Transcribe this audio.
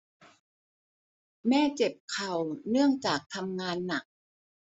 แม่เจ็บเข่าเนื่องจากทำงานหนัก